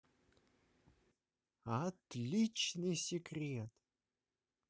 отличный секрет